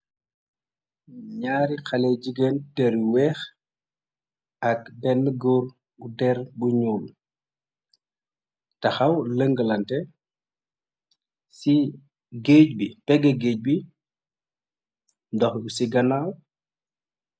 Naari Haley yu jigéen tèrr bu weeh ak benn gòor Ku tèrr lu ñuul tahaw langalantè. Ci gèej bi, pègg geej bi ndoh bu ci gannawam.